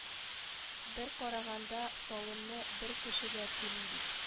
Бер караганда, салымны бар кеше дә түли бит